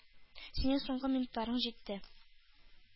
— синең соңгы минутларың җитте.